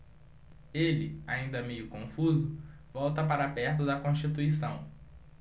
ele ainda meio confuso volta para perto de constituição